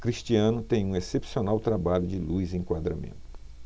cristiano tem um excepcional trabalho de luz e enquadramento